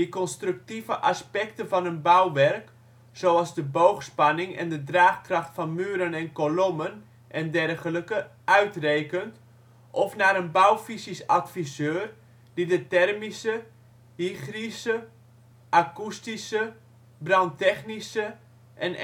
constructieve aspecten van een bouwwerk, zoals de boogspanning en de draagkracht van muren en kolommen en dergelijke uitrekent, of naar de bouwfysisch adviseur die de thermische, hygrische, akoestische, brandtechnische en